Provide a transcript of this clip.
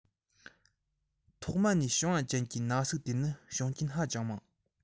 ཐོག མ ནས བྱུང བ ཅན གྱི ན ཟུག དེ ནི བྱུང རྐྱེན ཧ ཅང མང